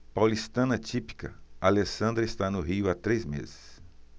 paulistana típica alessandra está no rio há três meses